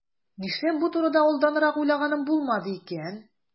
Нишләп бу турыда алданрак уйлаганым булмады икән?